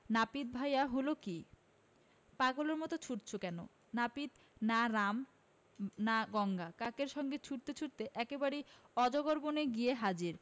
নাপিত ভায়া হল কী পাগলের মতো ছুটছ কেন নাপিত না রাম না গঙ্গা কাকের সঙ্গে ছুটতে ছুটতে একেবারে অজগর বনে গিয়ে হাজির